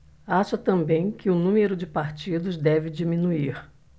acha também que o número de partidos deve diminuir